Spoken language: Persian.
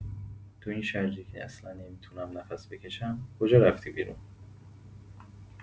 تو این شرجی که اصلا نمی‌تونم نفس بکشم، کجا رفتی بیرون؟